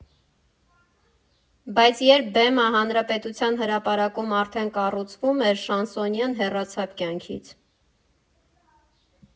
Բայց երբ բեմը Հանրապետության հրապարակում արդեն կառուցվում էր, շանսոնյեն հեռացավ կյանքից։